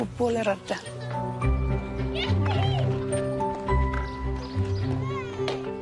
Pobol yr ardal.